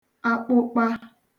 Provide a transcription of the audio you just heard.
akpụkpa